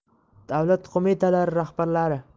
davlat qo'mitalari rahbarlari